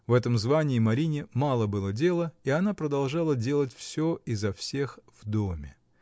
В этом звании Марине мало было дела, и она продолжала делать всё и за всех в доме.